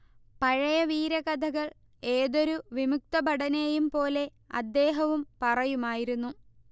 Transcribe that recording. പഴയ വീരകഥകൾ ഏതൊരു വിമുക്തഭടനെയുംപോലെ അദ്ദേഹവും പറയുമായിരുന്നു